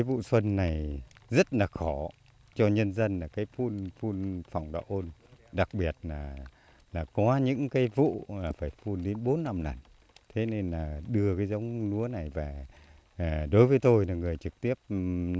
vụ xuân này rất là khổ cho nhân dân là cái phun phun phòng đạo ôn đặc biệt là là có những vụ là phải phun đến bốn năm lần thế nên là đưa giống lúa này về hà đối với tôi là người trực tiếp